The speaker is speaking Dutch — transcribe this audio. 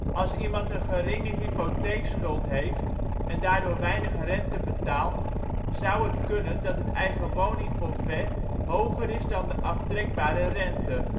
Als iemand een geringe hypotheekschuld heeft en daardoor weinig rente betaalt, zou het kunnen dat het eigenwoningforfait hoger is dan de aftrekbare rente